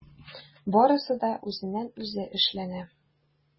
Барысы да үзеннән-үзе эшләнә.